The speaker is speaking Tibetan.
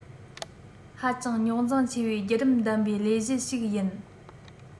ཧ ཅང རྙོག འཛིང ཆེ བའི རྒྱུད རིམ ལྡན པའི ལས གཞི ཞིག ཡིན